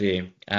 Ydi.